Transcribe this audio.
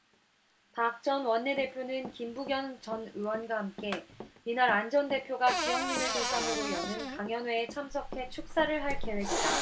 박 전 원내대표는 김부겸 전 의원과 함께 이날 안 전 대표가 지역민을 대상으로 여는 강연회에 참석해 축사를 할 계획이다